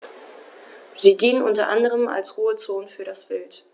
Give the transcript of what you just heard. Sie dienen unter anderem als Ruhezonen für das Wild.